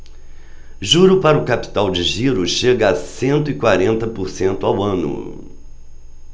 juro para capital de giro chega a cento e quarenta por cento ao ano